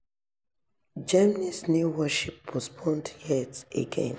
Germany's new warship postponed yet again